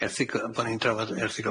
erthy- bo' ni'n trafod erthygl